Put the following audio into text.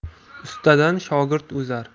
ustadan shogird o'zar